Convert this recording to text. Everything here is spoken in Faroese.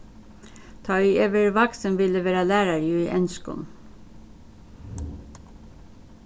tá ið eg verði vaksin vil eg vera lærari í enskum